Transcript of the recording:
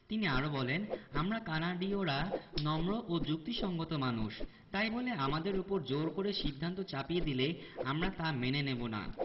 তিনি আরও বলেন আমরা কানাডীয়রা নম্র ও যুক্তিসংগত মানুষ তাই বলে আমাদের ওপর জোর করে সিদ্ধান্ত চাপিয়ে দিলে আমরা তা মেনে নেব না